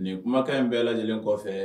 Nin kumakan in bɛɛ lajɛlen kɔfɛ